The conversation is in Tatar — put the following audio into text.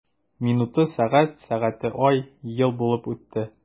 Минуты— сәгать, сәгате— ай, ел булып үтте.